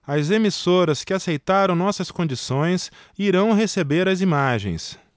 as emissoras que aceitaram nossas condições irão receber as imagens